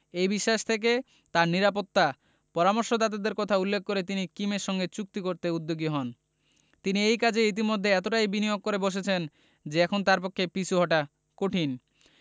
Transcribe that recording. এই বিশ্বাস থেকে তাঁর নিরাপত্তা পরামর্শদাতাদের কথা উপেক্ষা করে তিনি কিমের সঙ্গে চুক্তি করতে উদ্যোগী হন তিনি এই কাজে ইতিমধ্যে এতটাই বিনিয়োগ করে বসেছেন যে এখন তাঁর পক্ষে পিছু হটা কঠিন